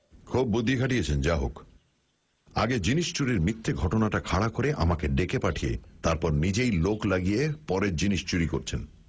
খুব বুদ্ধি খাটিয়েছেন যা হোক আগে জিনিস চুরির মিথ্যে ঘটনাটা খাড়া করে আমাকে ডেকে পাঠিয়ে তারপর নিজেই লোক লাগিয়ে পরের জিনিস চুরি করছেন